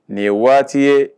Nin ye waati ye